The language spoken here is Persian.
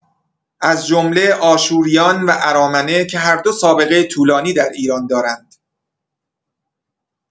از جمله آشوریان و ارامنه که هر دو سابقه طولانی در ایران دارند.